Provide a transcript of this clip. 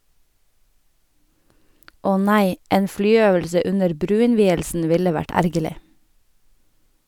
Åh nei, en flyøvelse under bruinnvielsen ville vært ergerlig.